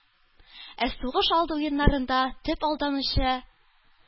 Ә сугыш алды уеннарында төп алданучы,